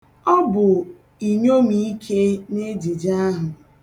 Ọ bụ inyomiike n'ejije ahụ.